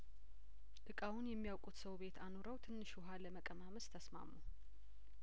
እቃውን የሚያውቁት ሰው ቤት አኑረው ትንሽ ውሀ ለመቀማመስ ተስማሙ